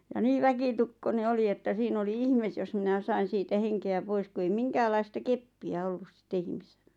ja niin väkitukkoinen oli että siinä oli ihme jos minä sain siitä henkeä pois kun ei minkäänlaista keppiä ollut sitten ihmisellä